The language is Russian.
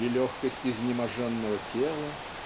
и легкость изнеможенного тела.